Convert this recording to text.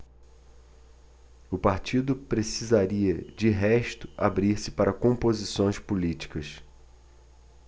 o partido precisaria de resto abrir-se para composições políticas